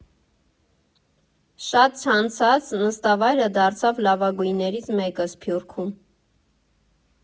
Շատ չանցած նստավայրը դարձավ լավագույններից մեկը Սփյուռքում։